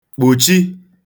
kpùchi